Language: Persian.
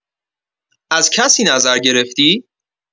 از کسی نظر گرفتی؟